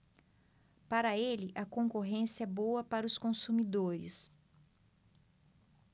para ele a concorrência é boa para os consumidores